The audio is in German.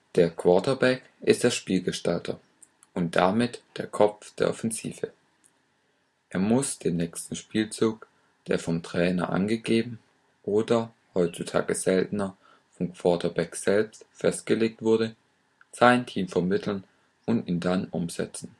Der Quarterback ist der Spielgestalter und damit der Kopf der Offensive. Er muss den nächsten Spielzug, der vom Trainer angegeben oder (heutzutage seltener) vom Quarterback selbst festgelegt wurde, seinem Team vermitteln und ihn dann umsetzen